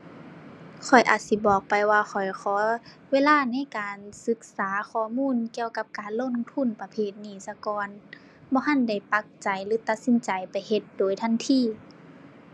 ข้อยอาจสิบอกไปว่า ข้อยขอเวลาในการศึกษาข้อมูลเกี่ยวกับการลงทุนประเภทนี้ซะก่อน บ่ทันได้ปักใจหรือตัดสินใจไปเฮ็ดโดยทันที